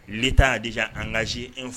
Le t'' di an kaz